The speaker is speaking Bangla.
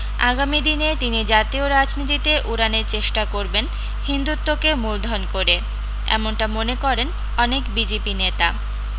আগামী দিনে তিনি জাতীয় রাজনীতিতে উড়ানের চেষ্টা করবেন হিন্দুত্বকে মূলধন করে এমনটা মনে করেন অনেক বিজেপি নেতা